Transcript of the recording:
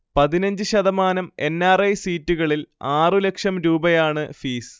പതിനഞ്ച് ശതമാനം N. R. I സീറ്റുകളിൽ ആറ് ലക്ഷം രൂപയാണ് ഫീസ്